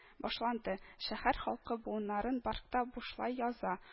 Башланды шәһәр халкы буыннарын паркта бушлай яза